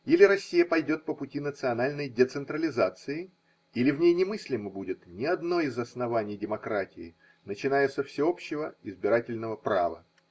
Или Россия пойдет по пути национальной децентрализации, или в ней немыслимо будет ни одно из оснований демократии, начиная со всеобщего избирательного права.